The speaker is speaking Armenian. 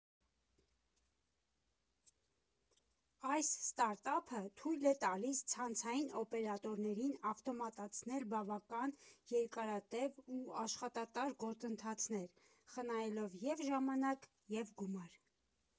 Այս ստարտափը թույլ է տալիս ցանցային օպեռատորներին ավտոմատացնել բավական երկարատև ու աշխատատար գործընթացներ, խնայելով և ժամանակ, և գումար։